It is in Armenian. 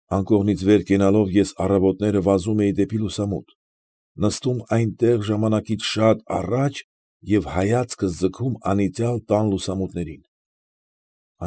Անկողնից վեր կենալով ես առավոտները վազում էի դեպի լուսամուտ, նստում այնտեղ ժամանակից շատ առաջ և հայացքս ձգում անիծյալ տան լուսամուտներին։